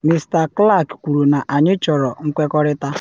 Mr Clark kwuru na “Anyị chọrọ nkwekọrịta,”